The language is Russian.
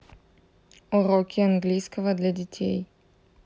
уроки английского для детей